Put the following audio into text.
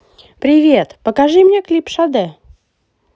привет покажи мне клип шаде